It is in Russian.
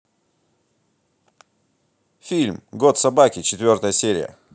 фильм год собаки четвертая серия